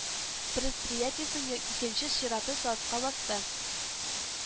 Предприятиесенең икенче чираты сафка басты